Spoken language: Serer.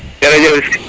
jerejef